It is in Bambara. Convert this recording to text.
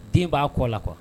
Den ba kɔ la quoi